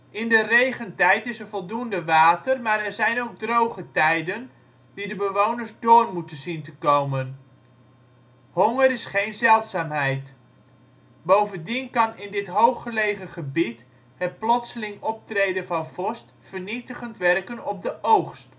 In de regentijd is er voldoende water maar er zijn ook droge tijden die de bewoners door moeten zien te komen. Honger is geen zeldzaamheid. Bovendien kan in dit hooggelegen gebied het plotseling optreden van vorst vernietigend werken op de oogst